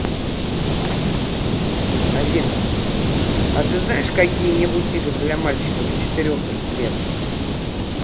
афина а ты знаешь какие нибудь игры для малыша четырех лет